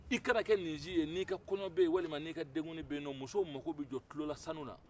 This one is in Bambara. i kana kɛ nin si ye n'i ka kɔɲɔ bɛ ye walima n'i ka denkuli bɛ ye muso mako bɛ jɔ tilolasannu na